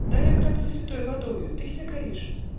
Дай окроплю святой водою, Ты вся горишь.